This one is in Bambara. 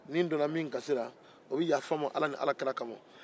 ni ne donna min gasi la o bɛ yafa n ma ala ni ala kira kama